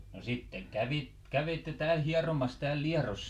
no sitten - kävitte täällä hieromassa täällä Liedossa